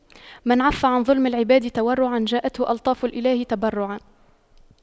من عَفَّ عن ظلم العباد تورعا جاءته ألطاف الإله تبرعا